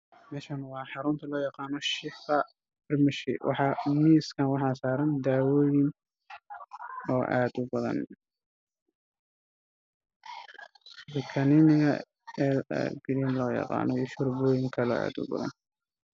Waa xarun farmashi ah oo lagu iibiyo daawo waxaa ii muuqato daawo saaran miis